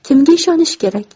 kimga ishonish kerak